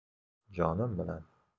jonim bilan